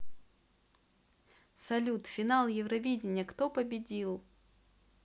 салют финал евровидения кто победил